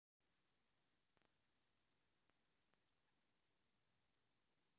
камеди батл дядя витя